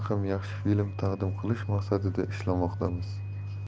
ham yaxshi film taqdim qilish maqsadida ishlamoqdamiz